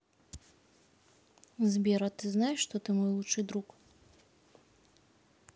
сбер а ты знаешь что ты мой лучший друг